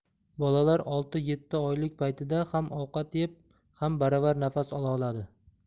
bolalar olti yetti oylik paytida ham ovqat yeb ham baravar nafas ololadi